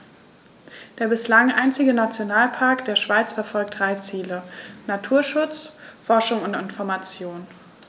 Der bislang einzige Nationalpark der Schweiz verfolgt drei Ziele: Naturschutz, Forschung und Information.